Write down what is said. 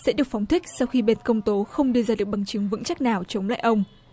sẽ được phóng thích sau khi bên công tố không đưa ra được bằng chứng vững chắc nào chống lại ông